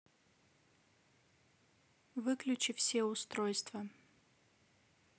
выключи все устройства